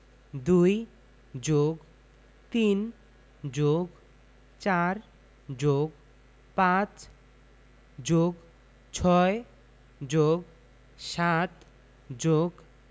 ২+৩+৪+৫+৬+৭+